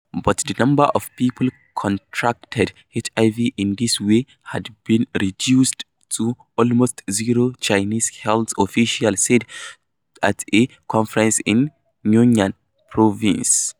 But the number of people contracting HIV in this way had been reduced to almost zero, Chinese health officials said at a conference in Yunnan province.